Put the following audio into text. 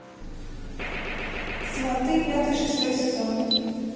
сваты пятый шестой сезон